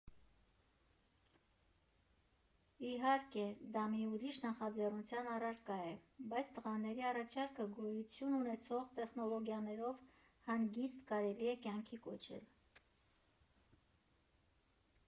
֊ Իհարկե, դա մի ուրիշ նախաձեռնության առարկա է, բայց տղաների առաջարկը գոյություն ունեցող տեխնոլոգիաներով հանգիստ կարելի է կյանքի կոչել»։